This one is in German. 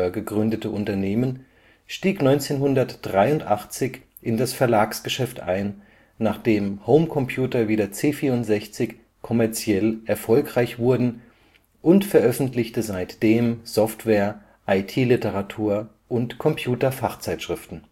gegründete Unternehmen stieg 1983 in das Verlagsgeschäft ein, nachdem Homecomputer wie der C64 kommerziell erfolgreich wurden, und veröffentlichte seitdem Software, IT-Literatur und Computer-Fachzeitschriften